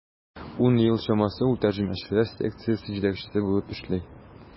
Ун ел чамасы ул тәрҗемәчеләр секциясе җитәкчесе булып эшли.